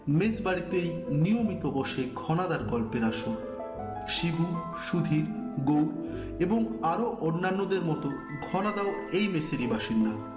mace বাড়িতে নিয়মিত বসে ঘনাদার গল্পের আসর শিবু সুধীর গৌড় এবং আরো অন্যান্যদের মত ঘনা দা ও এই মেসের ই বাসিন্দা